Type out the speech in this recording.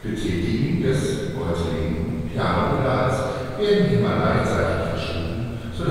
Betätigen des (heute linken) Piano-Pedals werden die Hämmer leicht seitlich verschoben, so